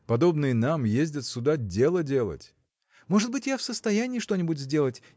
подобные нам ездят сюда дело делать. – Может быть я в состоянии что-нибудь сделать